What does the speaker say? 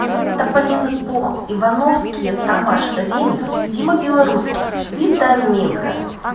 тополиный пух ивановские тамаш ремикс тима белорусских витаминка